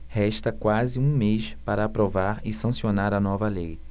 resta quase um mês para aprovar e sancionar a nova lei